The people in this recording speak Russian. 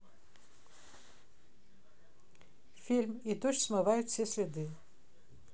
фильм и дождь смывает все следы